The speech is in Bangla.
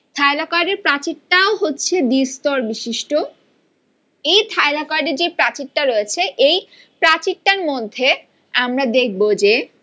থাইলাকয়েড এর প্রাচির টাও হচ্ছে দ্বি-স্তরবিশিষ্ট এই থাইলাকয়েড এ যে প্রাচীরটা রয়েছে এই প্রাচীর টার মধ্যে আমরা দেখব যে